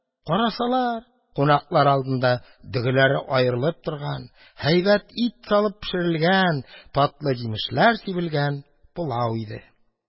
Карасалар, кунаклар алдында дөгеләре аерылып торган, һәйбәт ит салып пешерелгән, татлы җимешләр сибелгән пылау иде.